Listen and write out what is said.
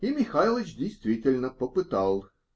*** И "Михайлыч" действительно "попытал".